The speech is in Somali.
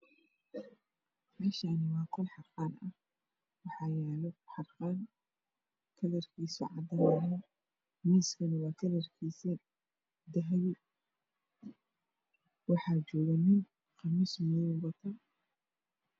Halkan waa qol xarqan ah wax dhar kutolow nin dharka oo wato waa madow